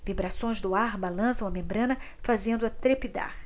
vibrações do ar balançam a membrana fazendo-a trepidar